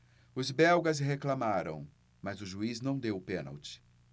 os belgas reclamaram mas o juiz não deu o pênalti